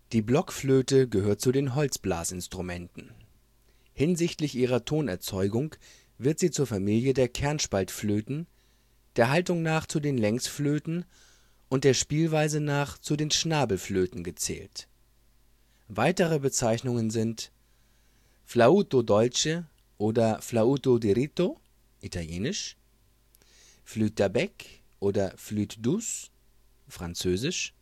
Die Blockflöte ist eine Flöte und gehört zu den Holzblasinstrumenten. Hinsichtlich ihrer Tonerzeugung wird sie zur Familie der Kernspaltflöten, der Haltung nach zu den Längsflöten und der Spielweise nach zu den Schnabelflöten gezählt. Weitere Bezeichnungen sind: flauto dolce oder flauto diritto (italienisch), flûte à bec oder flûte douce (französisch